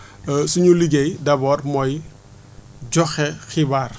suñu liggéey d' abord mooy joxe xibaar